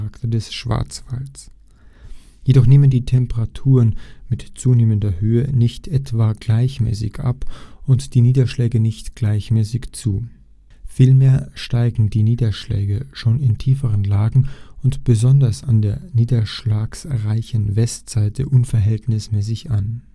des Schwarzwalds. Jedoch nehmen die Temperaturen mit zunehmender Höhe nicht etwa gleichmäßig ab und die Niederschläge nicht gleichmäßig zu. Vielmehr steigen die Niederschläge schon in tieferen Lagen und besonders an der niederschlagsreichen Westseite unverhältnismäßig an